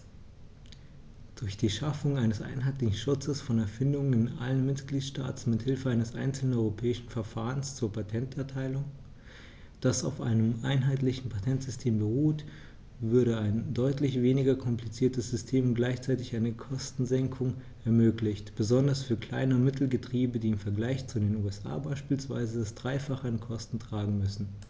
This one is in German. Durch die Schaffung eines einheitlichen Schutzes von Erfindungen in allen Mitgliedstaaten mit Hilfe eines einzelnen europäischen Verfahrens zur Patenterteilung, das auf einem einheitlichen Patentsystem beruht, würde ein deutlich weniger kompliziertes System und gleichzeitig eine Kostensenkung ermöglicht, besonders für Klein- und Mittelbetriebe, die im Vergleich zu den USA beispielsweise das dreifache an Kosten tragen müssen.